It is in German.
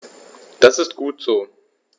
Das ist gut so.